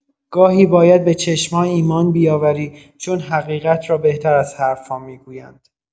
گاهی باید به چشم‌ها ایمان بیاوری چون حقیقت را بهتر از حرف‌ها می‌گویند.